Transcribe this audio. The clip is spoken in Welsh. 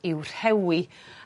i'w rhewi